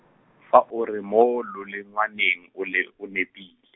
fa o re mo lolengwaneng, o le o nepile.